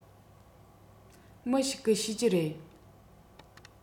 མི ཞིག གིས ཤེས ཀྱི རེད